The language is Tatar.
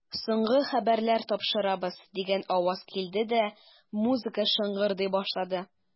Соңгы хәбәрләр тапшырабыз, дигән аваз килде дә, музыка шыңгырдый башлады.